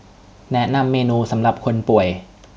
แนะนำเมนูสำหรับคนป่วย